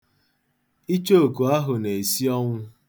Ichooku ahụ na-esi ọnwụ.